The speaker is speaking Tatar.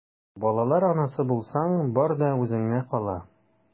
Балалар анасы булсаң, бар да үзеңә кала...